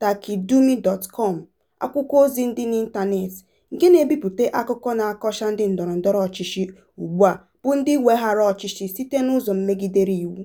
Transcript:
Taqadoumy.com, akwụkwọozi dị n'ịntaneetị nke na-ebipụta akụkọ na-akọcha ndị ndọrọndọrọ ọchịchị ugbua bụ ndị weghaara ọchịchị site n'ụzọ megidere iwu.